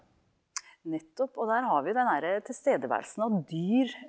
nettopp og der har vi den derre tilstedeværelsen av dyr.